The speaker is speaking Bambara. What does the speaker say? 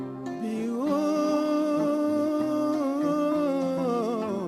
Gɛnin wa